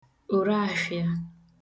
òreafhịā